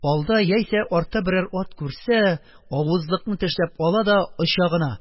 Алда, яисә артта берәр ат күрсә, авызлыкны тешләп ала да оча гына.